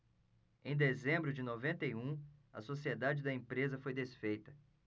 em dezembro de noventa e um a sociedade da empresa foi desfeita